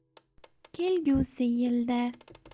kelgusi yilda